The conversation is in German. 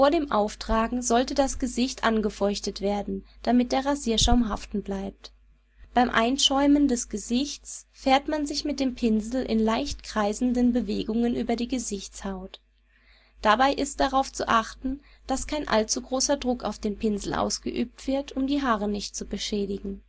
dem Auftragen sollte das Gesicht angefeuchtet werden, damit der Rasierschaum haften bleibt. Beim Einschäumen des Gesichts fährt man sich mit dem Pinsel in leicht kreisenden Bewegungen über die Gesichtshaut. Dabei ist darauf zu achten, dass kein allzu großer Druck auf den Pinsel ausgeübt wird, um die Haare nicht zu beschädigen